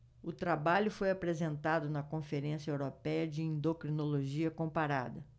o trabalho foi apresentado na conferência européia de endocrinologia comparada